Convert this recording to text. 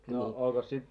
no olikos sitten